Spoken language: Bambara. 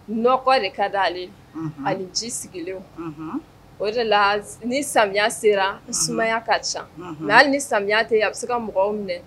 Kɔ de ka di ale ani ji sigilen o de la ni samiya sera sumayaya ka ca mɛ hali ni sami tɛ yen a bɛ se ka mɔgɔw minɛ